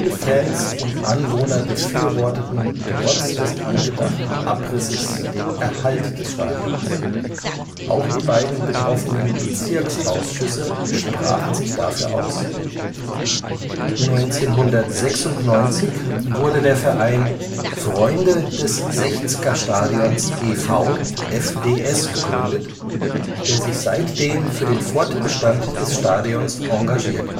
Fans und Anwohner befürworteten trotz des angedachten Abrisses den Erhalt des Stadions, auch die beiden betroffenen Bezirksausschüsse sprachen sich dafür aus. 1996 wurde der Verein Freunde des Sechz'ger Stadions e.V. (FDS) gegründet, der sich seitdem für den Fortbestand des Stadions engagiert